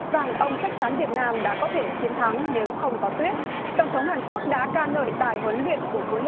rằng ông chắc chắn việt nam đã có thể chiến thắng nếu không có tuyết tổng thống hàn quốc đã ca ngợi tài huấn luyện của huấn